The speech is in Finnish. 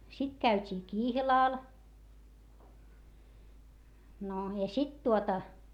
sitten käytiin kihlalla no ja sitten tuota